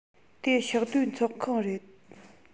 དེ ཕྱོགས བསྡུས ཚོགས ཁང རེད